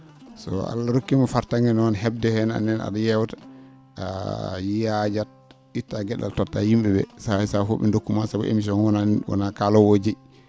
so Allah rokkiima farta?e he?de heen aan nene a?a yeewta a yaajat ngittaa ge?al tottaa yim?e ?ee sahaa sahaa e fof ?e dokkuma sabu émission wonaa wonaa kaaloowo oo jeyi